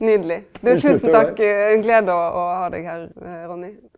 nydeleg du tusen takk ein glede å å ha deg her, Ronni.